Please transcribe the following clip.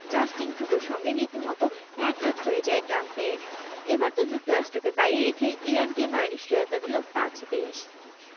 Justin ট্রুডোর সঙ্গে রীতিমতো একহাত হয়ে যায় ট্রাম্পের এবার তো যুক্তরাষ্ট্রকে বাইরে রেখেই ইরানকে নয়া নিশ্চয়তা দিল পাঁচ দেশ